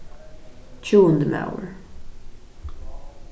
tjúgundi maður